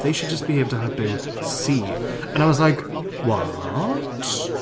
They should just be able to help you see and I was like "what?"